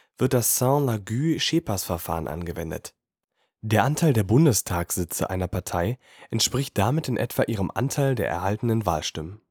wird das Sainte-Laguë/Schepers-Verfahren angewendet. Der Anteil der Bundestagssitze einer Partei entspricht damit in etwa ihrem Anteil der erhaltenen Wahlstimmen